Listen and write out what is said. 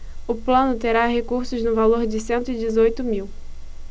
o plano terá recursos no valor de cento e dezoito mil